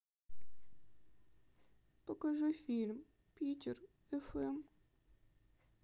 покажи фильм питер фм